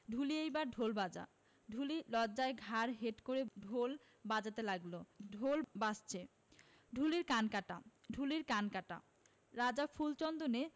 ঢুলি এইবার ঢোল বাজা ঢুলি লজ্জায় ঘাড় হেট করে ঢোল বাজাতে লাগলঢোল বাজছে ঢুলির কান কাটা ঢুলির কান কাটা রাজা ফুল চন্দনে